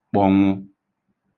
kpọ̄nwụ̄